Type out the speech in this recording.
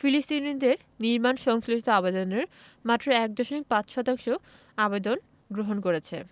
ফিলিস্তিনিদের নির্মাণ সংশ্লিষ্ট আবেদনের মাত্র ১.৫ শতাংশ আবেদনের গ্রহণ করেছে